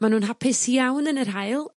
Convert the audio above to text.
Ma' nw'n hapus iawn yn yr haul